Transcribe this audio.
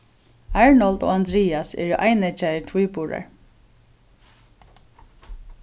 arnold og andrias eru eineggjaðir tvíburar